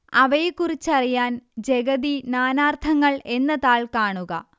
അവയെക്കുറിച്ചറിയാന് ജഗതി നാനാര്ത്ഥങ്ങൾ എന്ന താൾ കാണുക